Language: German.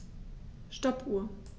Stoppuhr.